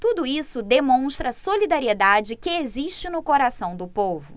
tudo isso demonstra a solidariedade que existe no coração do povo